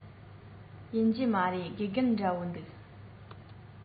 ཡིན གྱི མ རེད དགེ རྒན འདྲ པོ འདུག